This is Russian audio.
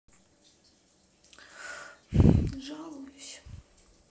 жалуюсь